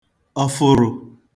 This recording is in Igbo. ọfụrụ